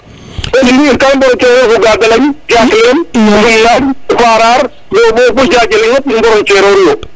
in ga coror fo Gagalagne Diaklem o Filan o Farare Ndiop bo Diathi le fop ino cororu yo